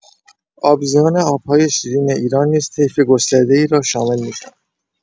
آبزیان آب‌های شیرین ایران نیز طیف گسترده‌ای را شامل می‌شوند.